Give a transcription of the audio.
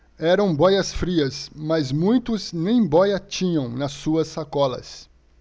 eram bóias-frias mas muitos nem bóia tinham nas suas sacolas